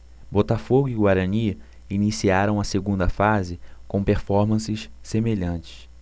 botafogo e guarani iniciaram a segunda fase com performances semelhantes